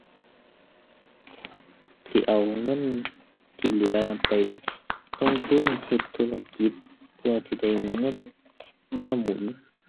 สิเอาเงินที่เหลือนั้นไปลงทุนเฮ็ดธุรกิจเพื่อที่ได้เงินมาหมุน